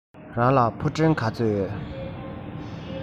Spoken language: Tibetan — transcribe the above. རང ལ ཕུ འདྲེན ག ཚོད ཡོད